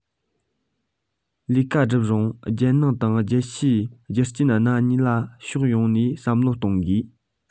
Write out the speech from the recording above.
ལས ཀ སྒྲུབ རིང རྒྱལ ནང དང རྒྱལ ཕྱིའི རྒྱུ རྐྱེན སྣ གཉིས ལ ཕྱོགས ཡོངས ནས བསམ བློ གཏོང དགོས